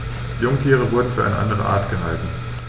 Jungtiere wurden für eine andere Art gehalten.